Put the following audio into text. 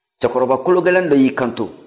cɛkɔrɔba kologɛlɛn dɔ y'i kanto